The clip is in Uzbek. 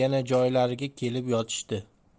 yana joylariga kelib yotishdi